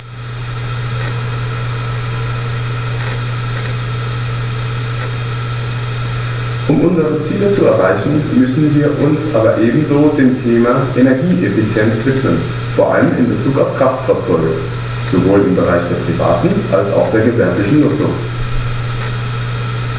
Um unsere Ziele zu erreichen, müssen wir uns aber ebenso dem Thema Energieeffizienz widmen, vor allem in Bezug auf Kraftfahrzeuge - sowohl im Bereich der privaten als auch der gewerblichen Nutzung.